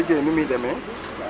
Sa ligey numuy deme?